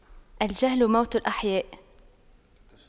الجهل موت الأحياء